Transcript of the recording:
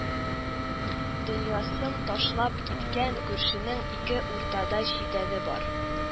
Дөньясын ташлап киткән күршенең ике уртада читәне бар